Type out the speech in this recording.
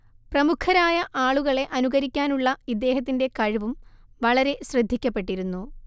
പ്രമുഖരായ ആളുകളെ അനുകരിക്കാനുള്ള ഇദ്ദേഹത്തിന്റെ കഴിവും വളരെ ശ്രദ്ധിക്കപ്പെട്ടിരുന്നു